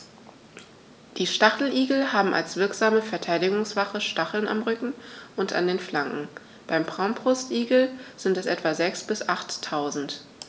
Die Stacheligel haben als wirksame Verteidigungswaffe Stacheln am Rücken und an den Flanken (beim Braunbrustigel sind es etwa sechs- bis achttausend).